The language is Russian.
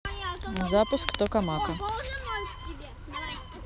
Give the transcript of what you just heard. запуск токамака